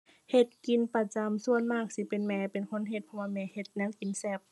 เฮ็ดกินประจำ ส่วนมากสิเป็นแม่เป็นคนเฮ็ด เพราะว่าแม่เฮ็ดแนวกินแซ่บ